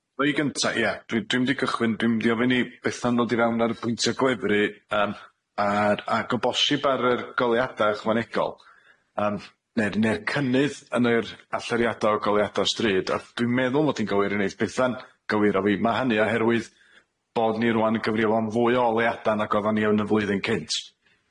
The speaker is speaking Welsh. Dwi gynta ia, dwi dwi mynd i gychwyn, dwi mynd i ofyn Betha'n dod i fewn ar y pwyntia gwefru yym a'r ag o bosib ar yr goleuada ychwanegol, yym ne' ne'r cynnydd yn yr allariada o goleuada'r stryd a dwi'n meddwl mod i'n gywir, neith Bethan gywiro fi ma' hynny oherwydd bod ni rŵan yn gyfrifol am fwy o oleuada nag oddan ni yn y flwyddyn cynt.